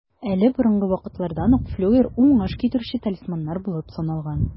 Әле борынгы вакытлардан ук флюгер уңыш китерүче талисманнар булып саналган.